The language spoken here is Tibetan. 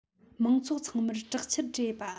མང ཚོགས ཚང མར དྲག ཆས སྤྲས པ